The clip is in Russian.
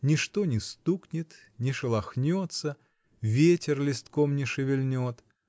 ничто не стукнет, не шелохнется ветер листком не шевельнет